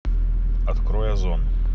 открой озон